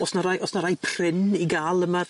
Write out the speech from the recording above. O's 'na rai o's 'na rai prin i ga'l yma?